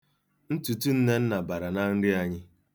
Ntutu Nnenna bara na nri anyị.